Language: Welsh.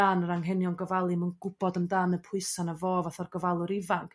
dan yr anghenion gofalu 'm yn gw'bod am dan y pwysa' 'no fo fath a'r gofalwr ifanc.